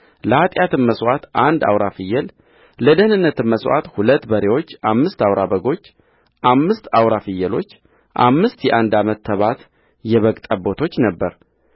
ለኃጢአትም መሥዋዕት አንድ አውራ ፍየልለደኅነትም መሥዋዕት ሁለት በሬዎች አምስት አውራ በጎች አምስት አውራ ፍየሎች አምስት የአንድ ዓመት ተባት የበግ ጠቦቶች ነበረ